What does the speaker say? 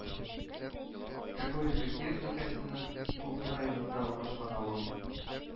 Кокориха Киров өлкәсенең Кумны районында урнашкан авыл